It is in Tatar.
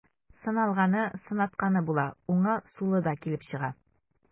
Сыналганы, сынатканы була, уңы, сулы да килеп чыга.